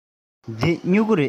འདི སྨྱུ གུ རེད